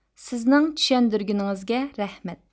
سىزنىڭ چۈشەندۈرگىنىڭىزگە رەھمەت